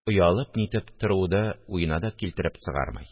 Оялып-нитеп тороудо уена да килтереп сыгармай